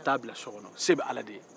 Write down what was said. taa bila so kɔnɔ se bɛ ala de ye